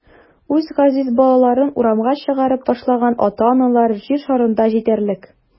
Үз газиз балаларын урамга чыгарып ташлаган ата-аналар җир шарында җитәрлек.